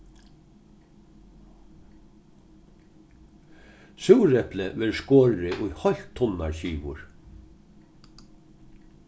súreplið verður skorið í heilt tunnar skivur